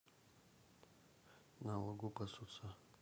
на лугу пасутся